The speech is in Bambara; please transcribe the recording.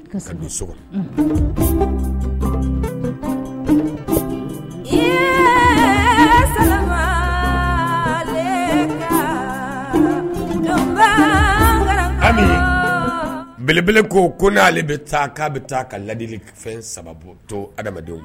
Ka don so belebele ko ko nale bɛ taa k'a bɛ taa ka ladili fɛn saba to adamadenw